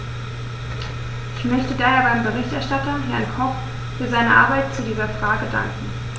Ich möchte daher dem Berichterstatter, Herrn Koch, für seine Arbeit zu dieser Frage danken.